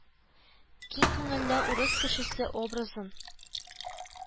Киң күңелле урыс кешесе образын